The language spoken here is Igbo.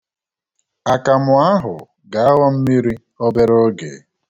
Akamụ ahụ ga-aghọ mmiri obere oge.